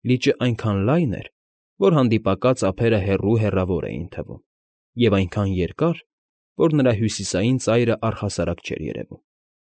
Լիճը այնքան լայն էր, որ հանդիպակաց ափերը հեռո՛ւ֊հեռավոր էին թվում, և այնքան երկար, որ նրա հյուսիսային ծայրը առհաստարակ չէր երևում։